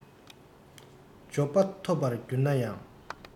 འབྱོར པ ཐོབ པར གྱུར ན ཡང